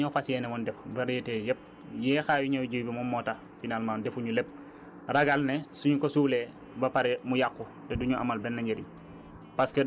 mais dañoo fas yéene woon def variétés yépp yéexaayu ñëwu jiw bi moom moo tax finalement defuñu lépp ragal ne suñu ko suulee ba pare mu yàqu te du ñu amal benn njariñ